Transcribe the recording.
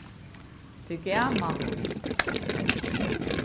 tað er gaman í